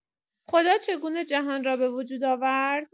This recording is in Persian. خدا چگونه جهان را به وجود آورد؟